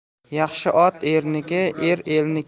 yaxshi ot erniki er elniki